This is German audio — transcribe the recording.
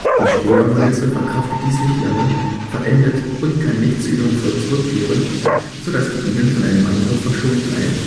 Die Späherhornisse verkraftet dies nicht lange, verendet und kann nicht zu ihrem Volk zurückkehren, sodass die Bienen von einem Angriff verschont bleiben